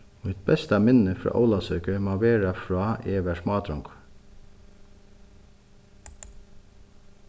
mítt besta minni frá ólavsøku má vera frá eg var smádrongur